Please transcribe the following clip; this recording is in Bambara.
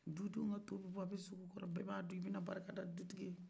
dudenw ka to be bɔ a bɛ sigi u kɔrɔ bɛɛ b'a dun u bɛna barika da dutigi ye